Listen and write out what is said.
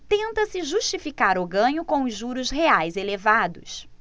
tenta-se justificar o ganho com os juros reais elevados